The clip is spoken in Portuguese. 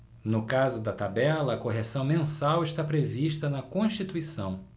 no caso da tabela a correção mensal está prevista na constituição